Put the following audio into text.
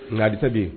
Nga hadisa be yen.